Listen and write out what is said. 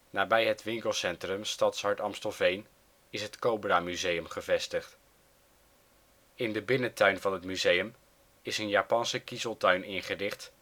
Nabij het winkelcentrum Stadshart Amstelveen is het Cobra Museum gevestigd. In de binnentuin van het museum is een Japanse kiezeltuin ingericht